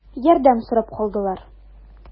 Ярдәм сорап калдылар.